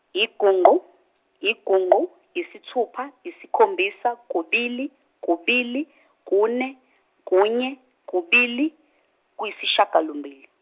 igungqu igungqu isithupha isikhombisa kubili kubili kune kunye kubili kuyisishiyagalombili.